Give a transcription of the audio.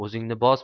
o'zingni bos